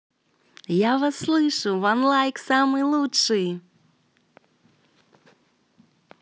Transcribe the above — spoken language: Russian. я вас слышу ван лайк самый лучший